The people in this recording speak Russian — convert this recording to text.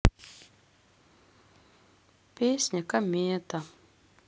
песня комета